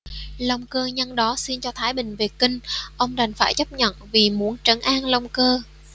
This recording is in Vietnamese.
long cơ nhân đó xin cho thái bình về kinh ông đành phải chấp thuận vì muốn trấn an long cơ